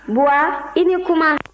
baba i ni kuma